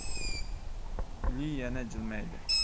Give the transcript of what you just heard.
guli yana jilmaydi